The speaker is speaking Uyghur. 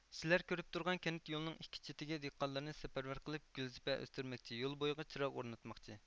سىلەر كۆرۈپ تۇرغان كەنت يولىنىڭ ئىككى چېتىگە دېھقانلارنى سەپەرۋەر قىلىپ گۈلزىپە ئۆستۈرمەكچى يول بويىغا چىراغ ئورناتماقچى